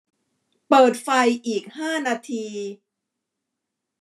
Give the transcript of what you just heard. เปิดไฟอีกห้านาที